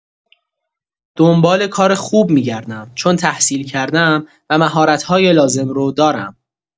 دنبال کار خوب می‌گردم چون تحصیل‌کرده‌ام و مهارت‌های لازم رو دارم.